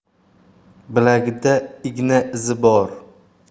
bilagida igna izi bor